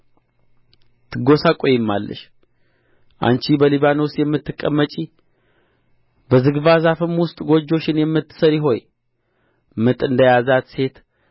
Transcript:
አንቺ በሊባኖስ የምትቀመጪ በዝግባ ዛፍም ውስጥ ጎጆሽን የምትሠሪ ሆይ ምጥ እንደ ያዛት ሴት